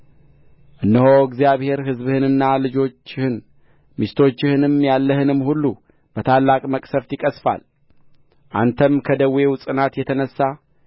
እነሆ እግዚአብሔር ሕዝብህንና ልጆችህን ሚስቶችህንም ያለህንም ሁሉ በታላቅ መቅሠፍት ይቀሥፋል አንተም ከደዌው ጽናት የተነሣ